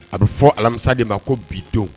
A bɛ fɔ alami de b'a ko bidon